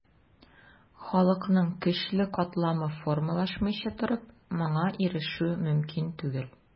Халыкның көчле катламы формалашмыйча торып, моңа ирешү мөмкин түгел.